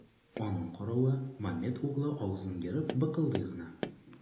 Аның каравы, Мамед углы авызын ерып быкылдый гына.